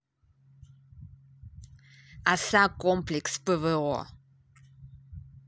оса комплекс пво